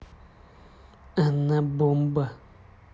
она бомба